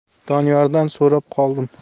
doniyordan so'rab qoldim